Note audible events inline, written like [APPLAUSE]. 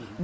[HESITATION] [HESITATION]